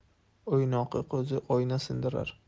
o'ynoqi qo'zi oyna sindirar